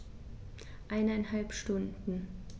Eineinhalb Stunden